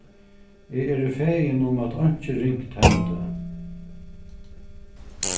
eg eri fegin um at einki ringt hendi